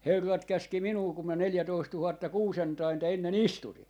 herrat käski minua kun minä neljätoista tuhatta kuusentainta ennen istutin